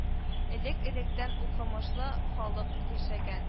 Элек-электән укымышлы халык яшәгән